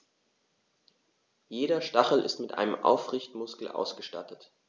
Jeder Stachel ist mit einem Aufrichtemuskel ausgestattet.